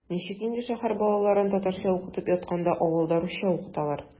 Ничек инде шәһәр балаларын татарча укытып ятканда авылда русча укыталар?!